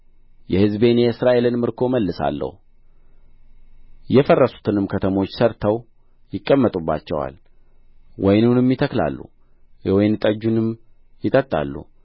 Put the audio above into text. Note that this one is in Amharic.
የሕዝቤን የእስራኤልን ምርኮ እመልሳለሁ የፈረሱትንም ከተሞች ሠርተው ይቀመጡባቸዋል ወይንንም ይተክላሉ የወይን ጠጁንም ይጠጣሉ